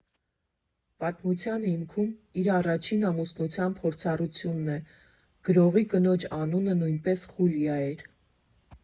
Պատմության հիմքում իր առաջին ամուսնության փորձառությունն է (գրողի կնոջ անունը նույնպես Խուլիա էր)։